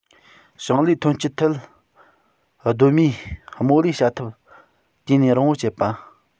ཞིང ལས ཐོན སྐྱེད ཐད གདོད མའི རྨོ ལས བྱ ཐབས དུས ཡུན རིང པོ སྤྱད པ